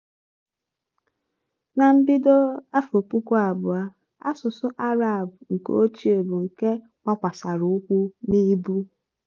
Na mbido afọ 2000, asụsụ Arab nke ochie bụ nke gbakwasara ụkwụ n'ịbụ